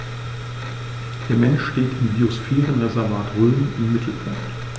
Der Mensch steht im Biosphärenreservat Rhön im Mittelpunkt.